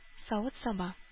Савыт-саба